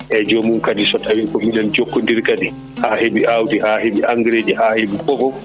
eyyi jomun kadi so tawi ko minen jokkodiri kadi haa heeɓi awdi haa heeɓi engrais ji haa heeɓe fofoof